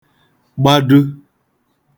gbadu